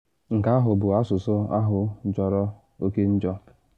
Nke Ahụ Bụ Asụsụ Ahụ Jọrọ Oke Njọ